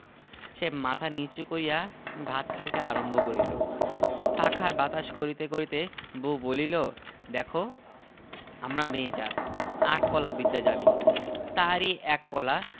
সে মাথা নীচু করিয়া ভাত খাইতে আরম্ভ করিল পাখার বাতাস করিতে করিতে বউ বলিল দেখ আমরা মেয়ে জাত আট কলা বিদ্যা জানি তার ই এক কলা